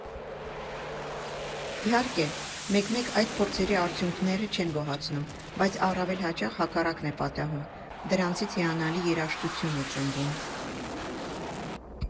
Իհարկե, մեկ֊մեկ այդ փորձերի արդյունքները չեն գոհացնում, բայց առավել հաճախ հակառակն է պատահում՝ դրանցից հիանալի երաժշտություն է ծնվում։